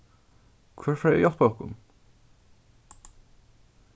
hvør fer at hjálpa okkum